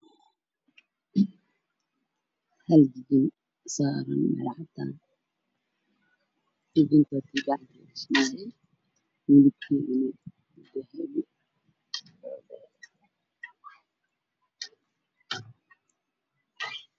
Meesha waxaa ka muuqda wax u eg jijin jaalla ah oo saaran miisa cad